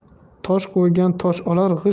tosh qo'ygan tosh olar